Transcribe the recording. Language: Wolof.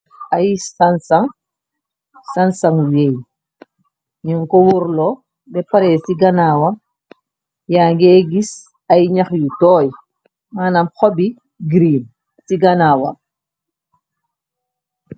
Ay sansangu wéey ñun ko wurloo deparée ci ganaawam yaangee gis ay ñax yu tooy manam xobi greene ci ganaawam.